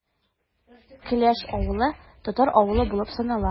Келәш авылы – татар авылы булып санала.